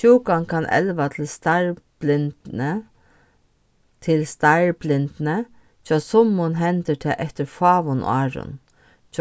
sjúkan kann elva til starblindni hjá summum hendir tað eftir fáum árum